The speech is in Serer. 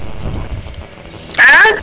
a